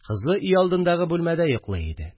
Кызы өйалдындагы бүлмәдә йоклый иде